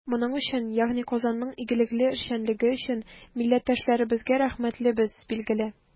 Моның өчен, ягъни Казанның игелекле эшчәнлеге өчен, милләттәшләребезгә рәхмәтлебез, билгеле.